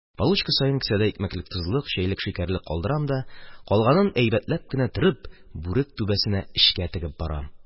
Получка саен кесәдә икмәклек-тозлык, чәйлек-шикәрлек калдырам да, калганын әйбәтләп кенә төреп, бүрек түбәсенә, эчкә тегеп барам.